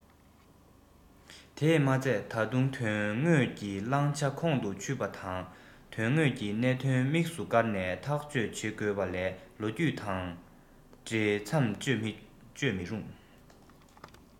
དེས མ ཚད ད དུང དོན དངོས ཀྱི བླང བྱ ཁོང དུ ཆུད པ ད དོན དངོས ཀྱི གནད དོན དམིགས སུ བཀར ནས ཐག གཅོད བྱེད དགོས པ ལས ལོ རྒྱུས དང འ བྲེལ མཚམས གཅོད མི རུང